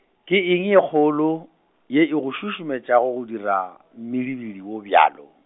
ke eng ye kgolo, ye e go šušumetšago go dira, mmidibidi wo bjalo?